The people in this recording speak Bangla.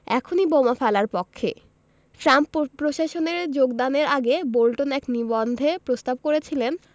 এখনই বোমা ফেলার পক্ষে ট্রাম্প প্রশাসনে যোগদানের আগে বোল্টন এক নিবন্ধে প্রস্তাব করেছিলেন